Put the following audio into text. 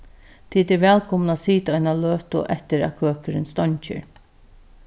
tit eru vælkomin at sita eina løtu eftir at køkurin steingir